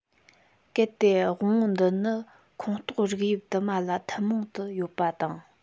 གལ ཏེ དབང པོ འདི ནི ཁོངས གཏོགས རིགས དབྱིབས དུ མ ལ ཐུན མོང དུ ཡོད པ དང